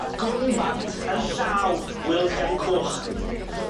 Ath gwn bant yn llaw Wil Cefn Coch.